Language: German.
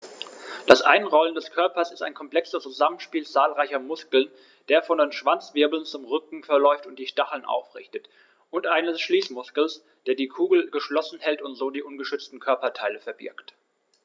Das Einrollen des Körpers ist ein komplexes Zusammenspiel zahlreicher Muskeln, der von den Schwanzwirbeln zum Rücken verläuft und die Stacheln aufrichtet, und eines Schließmuskels, der die Kugel geschlossen hält und so die ungeschützten Körperteile verbirgt.